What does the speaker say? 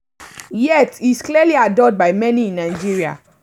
Yet, he is clearly adored by many in Nigeria.